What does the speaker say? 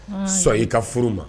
Son i ka furu ma